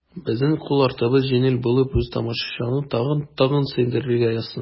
Безнең кул артыбыз җиңел булып, үз тамашачыңны тагын-тагын сөендерергә язсын.